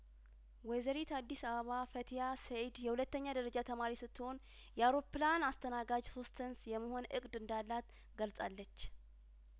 ወይዘሪት አዲስ አበባ ፈቲያሰኢድ የሁለተኛ ደረጃ ተማሪ ስትሆን የአውሮፕላን አስተናጋጅ ሆስተንስ የመሆን እቅድ እንዳላት ገልጻለች